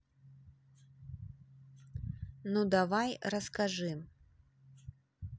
ну давай расскажи